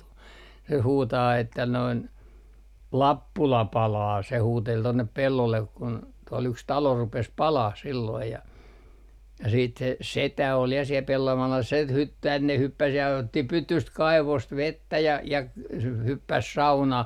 se huutaa että noin Lappula palaa se huuteli tuonne pellolle kun tuolla yksi talo rupesi palamaan silloin ja ja sitten se setä oli ja siellä pellon alla -- tänne hyppäsi ja otti pytystä kaivosta vettä ja ja - se hyppäsi saunaan